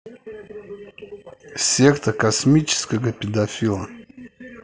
секта космического педофила